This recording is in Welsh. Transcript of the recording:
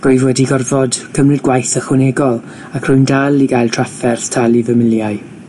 Rwyf wedi gorfod cymryd gwaith ychwanegol ac rwy'n dal i gael trafferth talu fy miliau.